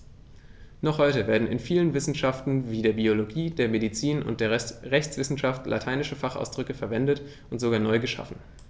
Noch heute werden in vielen Wissenschaften wie der Biologie, der Medizin und der Rechtswissenschaft lateinische Fachausdrücke verwendet und sogar neu geschaffen.